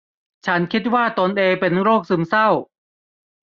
ฉันคิดว่าตนเองเป็นโรคซึมเศร้า